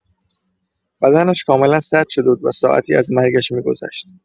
بدنش کاملا سرد شده بود و ساعتی از مرگش می‌گذشت.